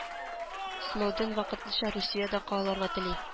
Сноуден вакытлыча Русиядә калырга тели